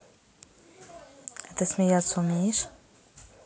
а ты смеяться умеешь